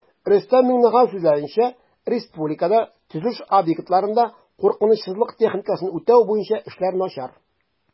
Рөстәм Миңнеханов сүзләренчә, республикада төзелеш объектларында куркынычсызлык техникасын үтәү буенча эшләр начар